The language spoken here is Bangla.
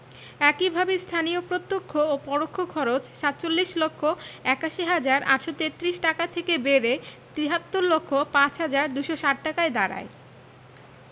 একইভাবে স্থানীয় প্রত্যক্ষ ও পরোক্ষ খরচ ৪৭ লক্ষ ৮১ হাজার ৮৩৩ টাকা থেকে বেড়ে ৭৩ লক্ষ ৫ হাজার ২৬০ টাকায় দাঁড়ায়